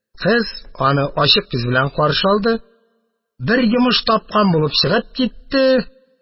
Кыз аны ачык йөз белән каршы алды, бер йомыш тапкан булып чыгып китте.